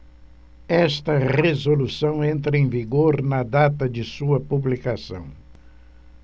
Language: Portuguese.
esta resolução entra em vigor na data de sua publicação